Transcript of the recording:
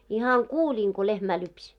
ihan kuulin kun lehmää lypsi